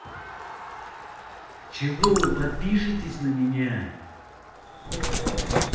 чего вы подпишитесь на меня